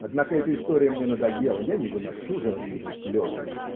Однако эта история мне надоела: я не выношу женских слез.